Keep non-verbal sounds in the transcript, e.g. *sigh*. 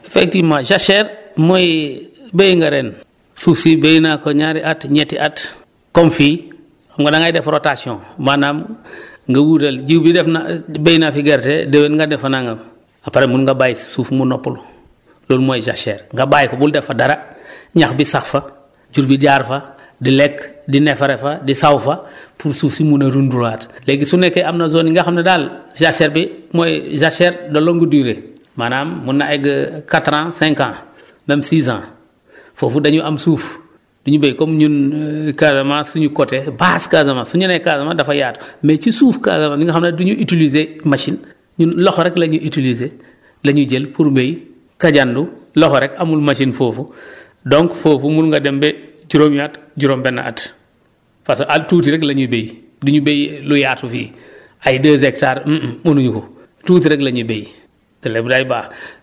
effectivement jachère mooy béy nga ren suuf si béy naa ko ñaari at ñetti at comme fii xam nga da ngay def rotation maanaam *breath* nga wuutal jiw bi def na béy naa fi gerte déwén nga def fa nagam après mun nga bàyyi sa suuf mu noppalu loolu mooy jachère nga bàyyi ko bul def fa dara *breath* ñax bi sax fa jur gi jaar fa di lekk di neefere fa di saw fa *breath* pour suuf si mun a dundaat léegi su nekkee am na zones yi nga xam ne daal jachère bi mooy jachère de longue durée maanaam mun na egg *hesitation* quatre ans cinq ans même six ans foofu dañuy am suuf du ñu béy comme ñun *hesitation* Casamance suñu côté basse Casamance su ñu nee Casamance dafa yaatu mais ci suuf Casamance mi nga xam ne du ñu utiliser machine ñun loxo rek la ñu utiliser la ñuy jël pour béy Kajandu loxo rek amul machine foofu *breath* donc foofu mun nga dem be juróomi at juróom-benni at parce que ay tuuti rek la ñuy béy du ñu béy *hesitation* lu yaatu fii ay deux hectares *hesitation* *hesitation* mënuñu ko tuuti rek la ñuy béy tte lépp day baax *breath*